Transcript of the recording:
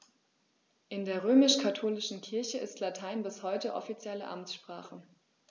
In der römisch-katholischen Kirche ist Latein bis heute offizielle Amtssprache.